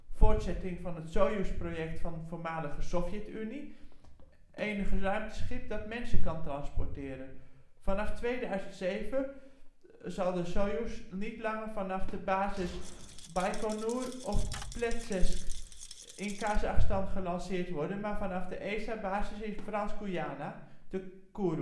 voorzetting van het Soyuz-project van de voormalige Sovjet-Unie enige ruimteschip dat mensen kan transporteren. Vanaf 2007 zul de Soyuz niet langer vanaf de bases Baikonur of Plesetsk in Kazakhstan gelanceerd worden maar vanaf de ESA basis in Frans-Guyana (lanceerbasis in Kourou